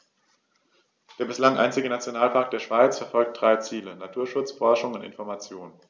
Der bislang einzige Nationalpark der Schweiz verfolgt drei Ziele: Naturschutz, Forschung und Information.